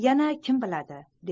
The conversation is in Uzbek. yana ham kim biladi